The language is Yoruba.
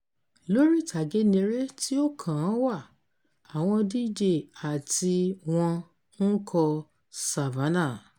Lórí ìtàgé ni eré tí ó kàn-án wà, àwọn DJ àti wọn ń kọ "Savannah"